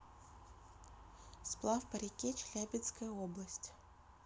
сплав по реке челябинская область